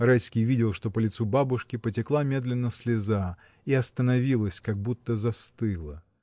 Райский видел, что по лицу бабушки потекла медленно слеза и остановилась, как будто застыла.